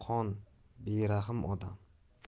qon berahm odam